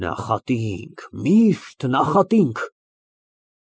Նախատինք, միշտ նախատինք։